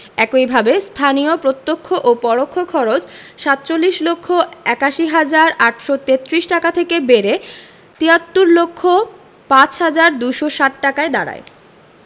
একইভাবে স্থানীয় প্রত্যক্ষ ও পরোক্ষ খরচ ৪৭ লক্ষ ৮১ হাজার ৮৩৩ টাকা থেকে বেড়ে ৭৩ লক্ষ ৫ হাজার ২৬০ টাকায় দাঁড়ায়